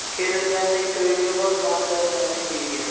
kerilganning to'yiga bor maqtanganning uyiga